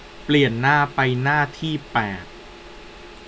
เปลี่ยนหน้าไปหน้าที่แปด